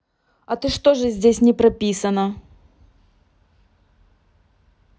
а ты что же здесь не прописано